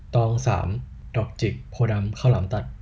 ตองสามดอกจิกโพธิ์ดำข้าวหลามตัด